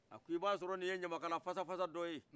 a ko i b' a sɔrɔ nin ye ɲamakala fasafasa dɔ ye